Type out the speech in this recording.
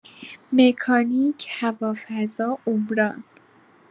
مکانیک، هوافضا، عمران